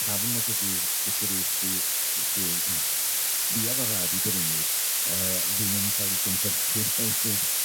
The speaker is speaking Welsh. Pam nad ydi dy grys di sydd yn ff- ffïadd o rad i brynu yy ddim yn ca'l 'i gynhyrchu mewn dull